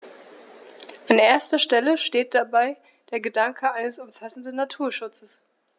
An erster Stelle steht dabei der Gedanke eines umfassenden Naturschutzes.